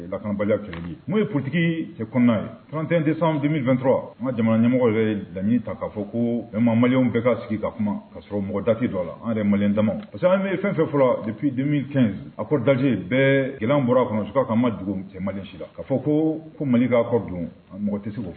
Ikkanbali kelen ye'o ye ptigi cɛ kɔnɔna ye frant tɛ san denmisɛnninmi dɔrɔn ma jamana ɲɛmɔgɔ yɛrɛ da ta k'a fɔ ko bɛ ma mali bɛɛ k ka sigi ka kuma k ka sɔrɔ mɔgɔ dati dɔ la an yɛrɛ mali damama parce que an bɛ ye fɛnfɛ fɔlɔ depi denmisɛnninmi fɛn a ko dase bɛɛ gɛlɛn bɔra kɔnɔ suka kan ma dugu sɛ mali si k ka fɔ ko ko mali k'a kɔ don mɔgɔ tɛ se